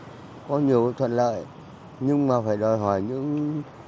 có nhiều thuận lợi nhưng mà phải đòi hỏi những